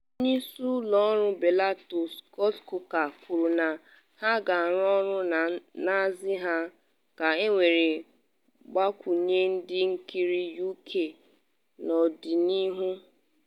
Onye isi ụlọ ọrụ Bellator, Scott Coker kwuru na ha ga-arụ ọrụ na nhazi ha ka ewere gbakwunye ndị nkiri UK n’ọdịnihu.